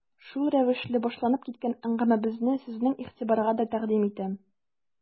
Шул рәвешле башланып киткән әңгәмәбезне сезнең игътибарга да тәкъдим итәм.